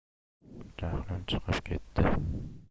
jahlim chiqib ketdi